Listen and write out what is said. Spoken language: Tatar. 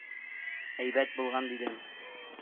Әйбәт булган дидем. —